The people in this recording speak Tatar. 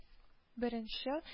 Беренче